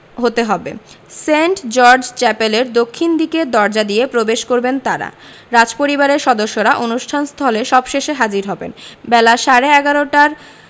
হতে হবে Saint George চ্যাপেলের দক্ষিণ দিকের দরজা দিয়ে প্রবেশ করবেন তাঁরা রাজপরিবারের সদস্যরা অনুষ্ঠান স্থলে সবশেষে হাজির হবেন বেলা সাড়ে ১১টার